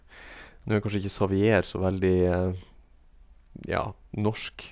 Nu er kanskje ikke Xavier så veldig, ja, norsk.